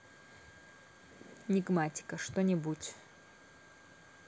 nigmatica что нибудь